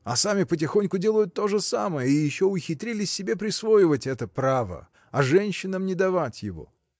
А сами потихоньку делают то же самое — и еще ухитрились себе присвоивать это право, а женщинам не давать его!